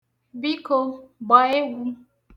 Biko, gbaa egwu.